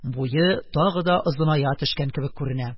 Буе тагы да озыная төшкән кебек күренә.